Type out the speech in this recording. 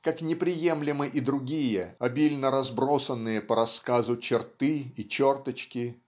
как неприемлемы и другие обильно разбросанные по рассказу черты и черточки